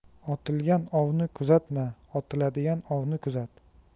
otilgan ovni kuzatma otiladigan ovni kuzat